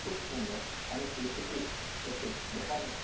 খুব সুন্দর অনেক দূর থেকে এসে দেখার মতো